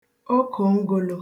okòngōlō